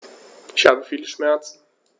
Ich habe viele Schmerzen.